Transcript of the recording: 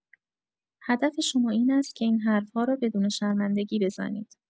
هدف شما این است که این حرف‌ها را بدون شرمندگی بزنید.